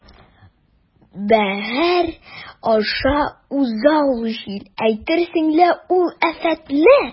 Бәгырь аша уза ул җил, әйтерсең лә ул афәтле.